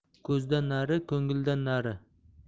ko'zdan nari ko'ngildan nari